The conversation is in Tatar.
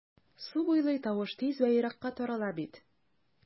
Су буйлый тавыш тиз вә еракка тарала бит...